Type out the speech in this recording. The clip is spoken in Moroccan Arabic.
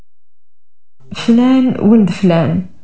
فلان ولد فلان